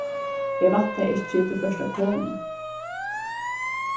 eg væntaði ikki tú fórt at koma